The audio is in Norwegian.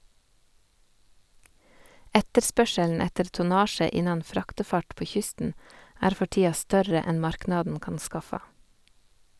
Etterspørselen etter tonnasje innan fraktefart på kysten er for tida større enn marknaden kan skaffa.